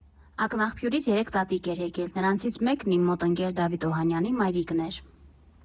Ակնաղբյուրից երեք տատիկ էր եկել, նրանցից մեկն իմ մոտ ընկեր Դավիթ Օհանյանի մայրիկն էր։